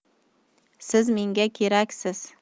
siz menga keraksiz